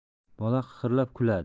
bola qiqirlab kuladi